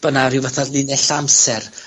bo' 'na ryw fatha linella amser